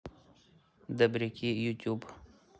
добряки ютуб